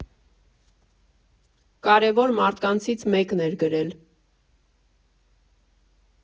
Կարևոր մարդկանցից մեկն էր գրել.